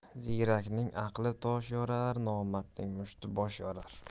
ziyrakning aqli tosh yorar nomardning mushti bosh yorar